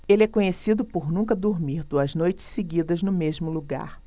ele é conhecido por nunca dormir duas noites seguidas no mesmo lugar